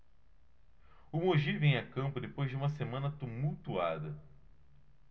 o mogi vem a campo depois de uma semana tumultuada